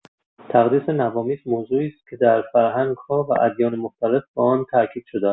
تقدیس نوامیس، موضوعی است که در فرهنگ‌ها و ادیان مختلف به آن تاکید شده است.